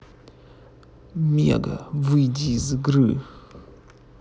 мега выйди из игры